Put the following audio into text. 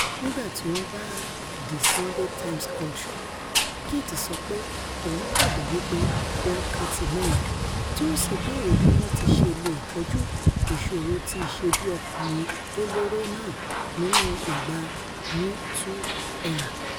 Nígbá tí ó ńbá The Sunday Times Culture, Kit sọ pé òun gbàgbọ́ wí pé 'ohun kan ti mẹ̀hẹ' tí ó sì béèrè bí wọ́n ti ṣe leè kojú ìṣòro ti ìṣebí-ọkùnrin tólóró náà nínú ìgbà #Me Too Erà.